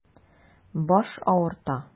Баш авырта.